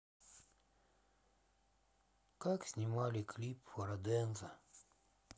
как снимали клип фараденза